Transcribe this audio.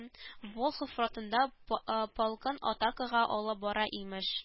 Волхов фротында полкын атакага алып бара имеш